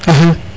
axa